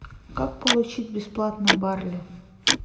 как получить бесплатно барли